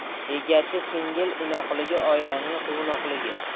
egachi singil inoqligi oilaning quvnoqligi